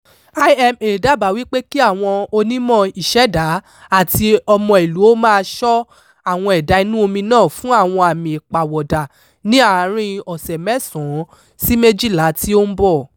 IMA dábàá wípé kí àwọn onímọ̀ ìṣẹ̀dá àti ọmọ ìlú ó máa ṣọ́ àwọn ẹ̀dá inú omi náà fún àwọn àmì ìpàwọ̀dà ní àárín-in ọ̀sẹ̀ mẹ́sàn-án sí méjìlá tí ó ń bọ̀.